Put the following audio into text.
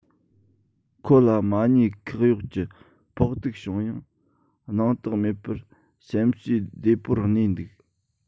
ཁོ ལ མ ཉེས ཁག གཡོགས ཀྱི ཕོག ཐུག བྱུང ཡང སྣང དག མེད པར སེམས ཟོས བདེ པོར གནས འདུག